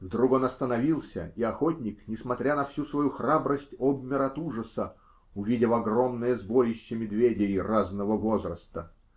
Вдруг он остановился, и охотник, несмотря на всю свою храбрость, обмер от ужаса, увидев огромное сборище медведей разного возраста.